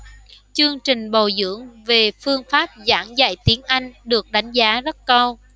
chương trình bồi dưỡng về phương pháp giảng dạy tiếng anh được đánh giá rất cao